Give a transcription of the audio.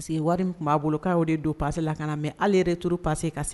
Parce que wari tun b'a bolo k'o de don pase la ka na mɛ ale yɛrɛ touru pase ka se